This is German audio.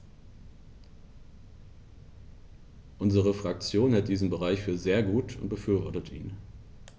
Unsere Fraktion hält diesen Bericht für sehr gut und befürwortet ihn.